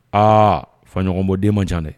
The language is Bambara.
Aa fa ɲɔgɔnɲɔgɔnbɔ den ma ca dɛ